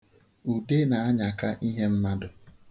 Ude na-anyaka ihe mmadụ.